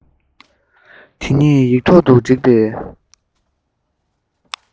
དེ ཉིད ཡིག ཐོག ཏུ བསྒྲིགས པའི